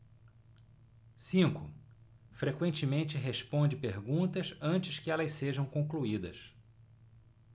cinco frequentemente responde perguntas antes que elas sejam concluídas